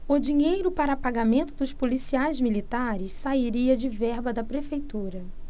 o dinheiro para pagamento dos policiais militares sairia de verba da prefeitura